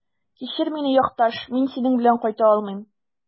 Кичер мине, якташ, мин синең белән кайта алмыйм.